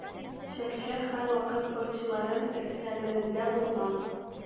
Чәк-чәк һәрвакыт спортчыларның өстәлләрендә булган.